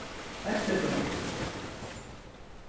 vesturgøta